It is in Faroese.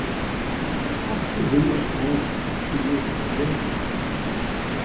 eg havi altíð hug at sova tí eg eri upp á vegin